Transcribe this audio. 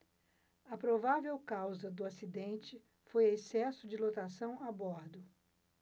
a provável causa do acidente foi excesso de lotação a bordo